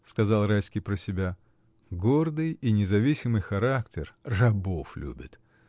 — сказал Райский про себя, — гордый и независимый характер — рабов любит!